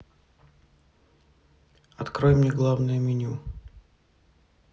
открой мне главное меню